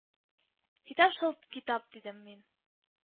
— китап шул, китап,— дидем мин